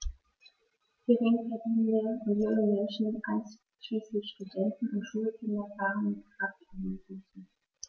Geringverdienende und junge Menschen, einschließlich Studenten und Schulkinder, fahren mit Kraftomnibussen.